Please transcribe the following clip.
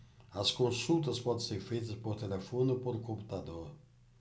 as consultas podem ser feitas por telefone ou por computador